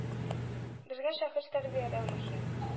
Безгә шәхес тәрбияләү мөһим.